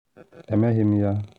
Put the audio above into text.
Emeghị m ya."